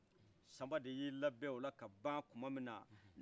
sanba de y' i labɛn ola ka ban tuma minna